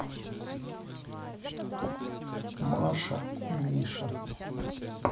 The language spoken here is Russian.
маша миша